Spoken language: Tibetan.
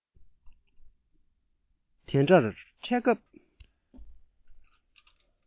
དེ འདྲར འཕྲད སྐབས